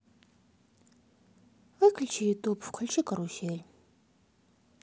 выключи ютуб включи карусель